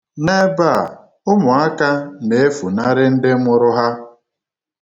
N'ebe a, ụmụaka na-efunari ndị mụrụ ha.